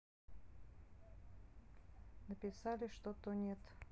написали что то нет